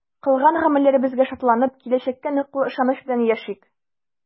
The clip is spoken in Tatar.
Кылган гамәлләребезгә шатланып, киләчәккә ныклы ышаныч белән яшик!